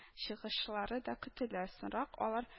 Чыгышлары да көтелә. соңрак алар